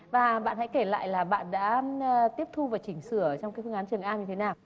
và bạn hãy kể lại là bạn đã tiếp thu và chỉnh sửa trong cái phương án trường an như thế nào